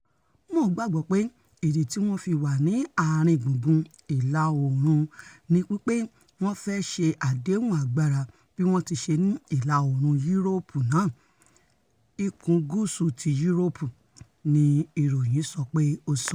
Mo gbàgbọ́ pé ìdí tíwọ́n fi wà ní Ààrin Gùngùn Ìlà-oòrun nípe wọ́n fẹ́ ṣe àdéhùn agbárs bí wọ́n tiṣe ni ìlà-oòrun Yuroopu náà, ikún gúúsù ti Yuroopu,'' ni iròyìn sọ pé o sọ.